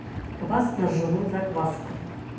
квас на ржаной закваске